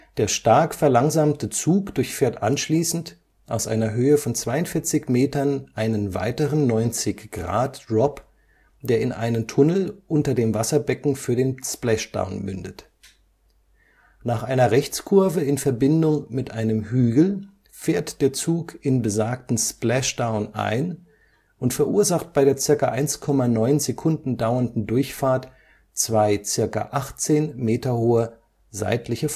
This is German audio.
Der stark verlangsamte Zug durchfährt anschließend aus einer Höhe von 42 Metern einen weiteren 90°-Drop, der in einen Tunnel unter dem Wasserbecken für den Splashdown mündet. Nach einer Rechtskurve in Verbindung mit einem Hügel fährt der Zug in besagten Splashdown ein und verursacht bei der ca. 1,9 Sekunden dauernden Durchfahrt zwei ca. 18 Meter hohe seitliche